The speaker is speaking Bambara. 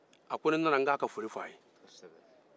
a ko ni n nana n k'a ka foli fɔ a' ye